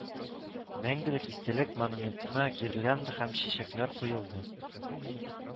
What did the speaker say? Мәңгелек истәлек монументына гирлянда һәм чәчәкләр куелды